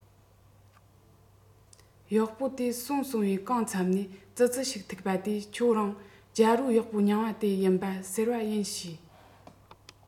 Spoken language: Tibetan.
གཡོག པོ དེ སོང སོང བས གང མཚམས ནས ཙི ཙི ཞིག ཐུག པ དེས ཁྱོད རང རྒྱལ པོའི གཡོག པོ རྙིང པ དེ ཡིན པས ཟེར བ ཡིན བྱས